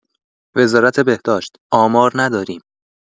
وزارت بهداشت: آمار نداریم!